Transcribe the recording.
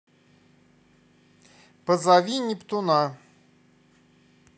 позови нептуна